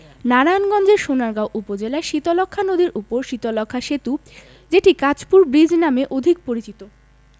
নারায়ণগঞ্জের সোনারগাঁও উপজেলায় শীতলক্ষ্যা নদীর উপর শীতলক্ষ্যা সেতু যেটি কাঁচপুর ব্রীজ নামে অধিক পরিচিত